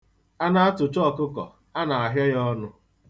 A na-atụcha ọkụkụ, a na-ahịọ ya ọnụ.